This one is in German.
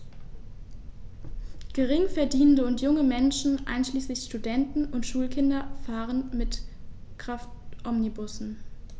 Geringverdienende und junge Menschen, einschließlich Studenten und Schulkinder, fahren mit Kraftomnibussen.